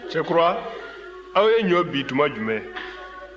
cɛkura aw ye ɲɔ bin tuma jumɛn